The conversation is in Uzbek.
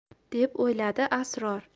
deb uyladi asror